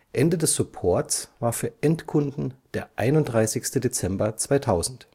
Ende des Supports war für Endkunden der 31. Dezember 2000